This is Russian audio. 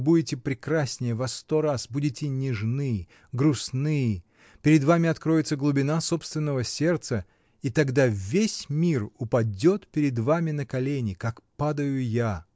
вы будете прекраснее во сто раз, будете нежны, грустны, перед вами откроется глубина собственного сердца, и тогда весь мир упадет перед вами на колени, как падаю я.